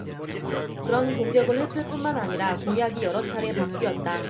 그런 공격을 했을 뿐만 아니라 공약이 여러 차례 바뀌었다